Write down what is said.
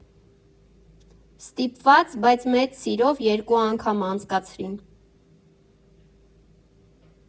Ստիպված, բայց մեծ սիրով երկու անգամ անցկացրին։